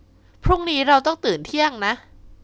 พรุ่งนี้เราต้องตื่นเที่ยงนะ